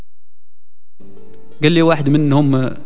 قول لي واحد منهم